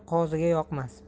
u qoziga yoqmas